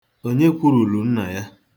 Onye kwuluru nna ya.